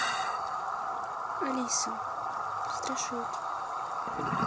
алиса страшилки